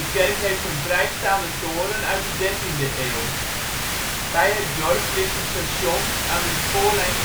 kerk heeft een vrijstaande toren uit de 13e eeuw. Bij het dorp ligt een station aan de spoorlijn